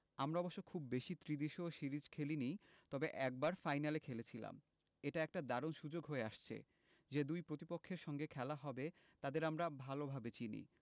আমরা অবশ্য খুব বেশি ত্রিদেশীয় সিরিজ খেলেনি তবে একবার ফাইনাল খেলেছিলাম এটা একটা দারুণ সুযোগ হয়ে আসছে যে দুই প্রতিপক্ষের সঙ্গে খেলা হবে তাদের আমরা ভালোভাবে চিনি